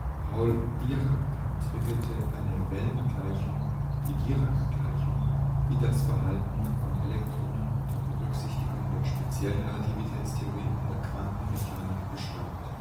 Paul Dirac entwickelte eine Wellengleichung, die Dirac-Gleichung, die das Verhalten von Elektronen unter Berücksichtigung der speziellen Relativitätstheorie in der Quantenmechanik beschreibt